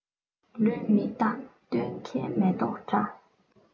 ལུས མི རྟག སྟོན ཁའི མེ ཏོག འདྲ